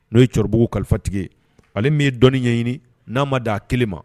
N'o ye cɛkɔrɔbabugu kalifatigi ye ale min ye dɔɔnin ɲɛɲini n'a ma d a kelen ma